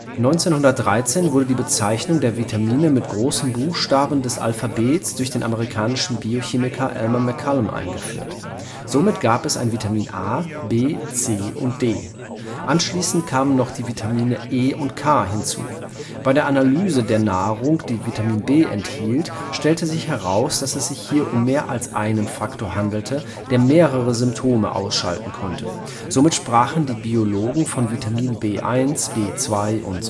1913 wurde die Bezeichnung der Vitamine mit großen Buchstaben des Alphabets durch den amerikanischen Biochemiker Elmer McCollum eingeführt. Somit gab es ein Vitamin A, B, C und D. Anschließend kamen noch die Vitamine E und K hinzu. Bei der Analyse der Nahrung, die Vitamin B enthielt, stellte sich heraus, dass es sich hier um mehr als einen Faktor handelte, der mehrere Symptome ausschalten konnte. Somit sprachen die Biologen von Vitamin B1, B2, usw.